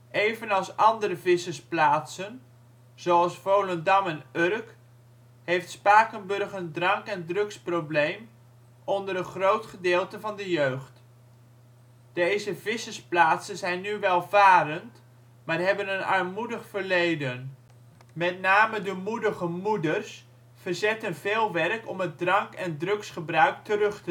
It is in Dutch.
Evenals andere vissersplaatsen - zoals Volendam en Urk - heeft Spakenburg een drank - en drugsprobleem onder een groot gedeelte van de jeugd. Deze vissersplaatsen zijn nu welvarend, maar hebben een armoedig verleden. Met name de Moedige Moeders verzetten veel werk om het drank - en drugsgebruik terug